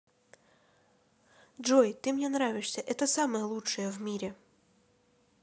джой ты мне нравишься это самое лучшее в мире